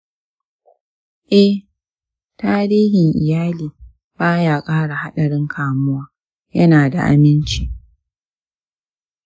eh, tarihin iyali ba ya ƙara haɗarin kamuwa. yana da aminci.